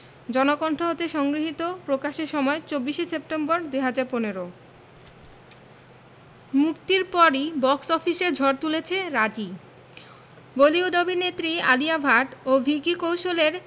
জনকণ্ঠ হতে সংগৃহীত প্রকাশের সময় ২৪ সেপ্টেম্বর ২০১৫ মুক্তির পরই বক্স অফিসে ঝড় তুলেছে রাজি বলিউড অভিনেত্রী আলিয়া ভাট এবং ভিকি কৌশলের